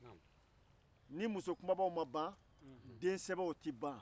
ni muso kunbabaw ma ban densɛbɛw tɛ ban